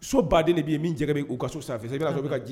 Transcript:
So baden bɛ yen